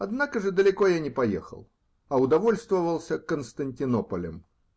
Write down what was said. Однако же далеко я не поехал, а удовольствовался Константинополем.